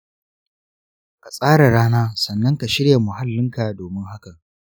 ka tsara rana sannan ka shirya muhallinka domin hakan.